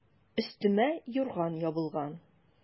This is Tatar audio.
Өстемә юрган ябылган.